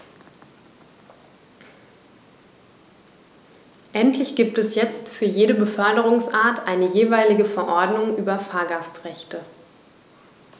Endlich gibt es jetzt für jede Beförderungsart eine jeweilige Verordnung über Fahrgastrechte.